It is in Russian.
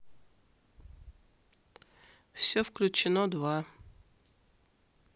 все включено два